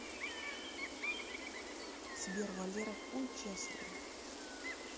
сбер валера хуй честно